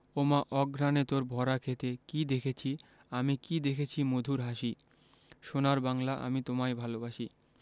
ওমা অঘ্রানে তোর ভরা ক্ষেতে কী দেখেছি আমি কী দেখেছি মধুর হাসি সোনার বাংলা আমি তোমায় ভালোবাসি